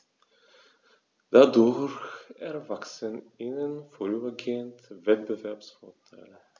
Dadurch erwachsen ihnen vorübergehend Wettbewerbsvorteile.